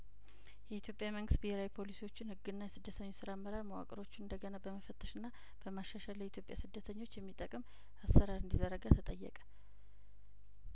የኢትዮጵያ መንግስት ብሄራዊ ፓሊሲዎቹን ህግና የስደተኞች ስራ አመራር መዋቅሮቹን እንደገና በመፈተሽና በማሻሻል ለኢትዮጵያ ስደተኞች የሚጠቅም አሰራር እንዲዘረጋ ተጠየቀ